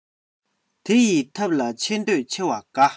དེ ཡི ཐབས ལ ཆེ འདོད ཆེ བ དགའ